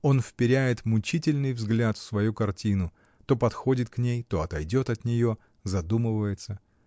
Он вперяет мучительный взгляд в свою картину, то подходит к ней, то отойдет от нее, задумывается.